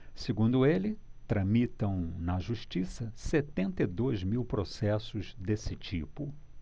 segundo ele tramitam na justiça setenta e dois mil processos desse tipo